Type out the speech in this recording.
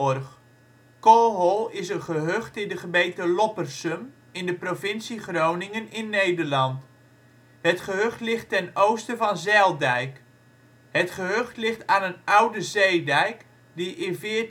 Kolle) is een gehucht in de gemeente Loppersum in de provincie Groningen in Nederland. Het gehucht ligt ten oosten van Zijldijk. Het gehucht ligt aan een oude zeedijk die in 1444